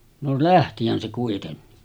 no lähtihän se kuitenkin